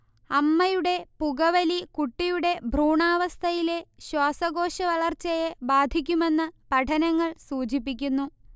അമ്മയുടെ പുകവലി കുട്ടിയുടെ ഭ്രൂണാവസ്ഥയിലെ ശ്വാസകോശവളർച്ചയെ ബാധിക്കുമെന്ന് പഠനങ്ങൾ സൂചിപ്പിക്കുന്നു